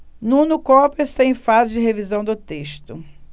nuno cobra está em fase de revisão do texto